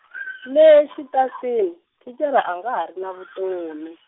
le xitasini, thicara a nga ha ri na vutomi.